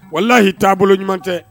Walahi tabolo ɲuman tɛ.